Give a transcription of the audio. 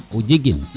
o jegin